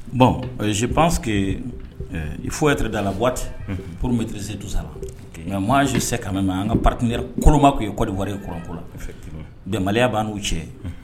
Bonsipke foyire da la waati pmeti se dusala nka makan si se kana na an ka pti koloma tun ye kɔ wari kko la dɛmɛya b' n'u cɛ